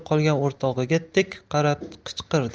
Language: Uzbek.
qolgan o'rtog'iga tik qarab qichqirdi